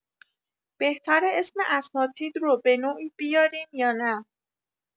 بهتره اسم اساتید رو به‌نوعی بیاریم یا نه؟